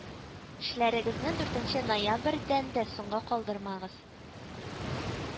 Эшләрегезне дүртенче ноябрьдән дә соңга калдырмагыз